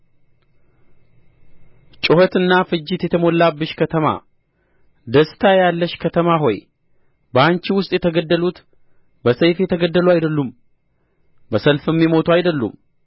ጩኸትና ፍጅት የተሞላብሽ ከተማ ደስታ ያለሽ ከተማ ሆይ በአንቺ ውስጥ የተገደሉት በሰይፍ የተገደሉ አይደሉም በሰልፍም የሞቱ አይደሉም